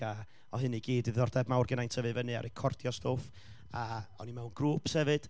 a, o' hyn i gyd yn diddordeb mawr genna i'n tyfu fyny a recordio stwff,